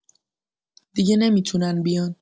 دیگه نمی‌تونن بیان.